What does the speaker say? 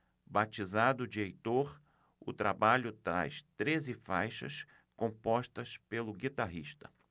batizado de heitor o trabalho traz treze faixas compostas pelo guitarrista